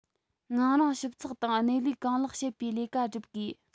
ངང རིང ཞིབ ཚགས དང གནས ལུགས གང ལེགས བཤད པའི ལས ཀ སྒྲུབ དགོས